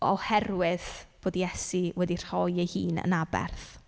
Oherwydd bod Iesu wedi rhoi ei hun yn aberth.